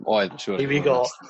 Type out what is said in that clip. Oedd masiwr... here we go